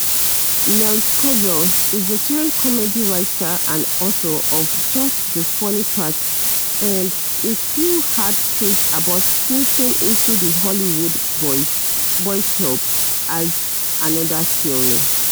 Nell Scovell, a veteran comedy writer and author of "Just the Funny Parts: And a Few Hard Truths About Sneaking Into the Hollywood Boys" Club," has another theory.